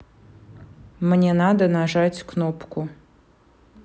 мне надо нажать на кнопку